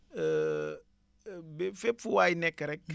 ba fépp fu waay nekk rek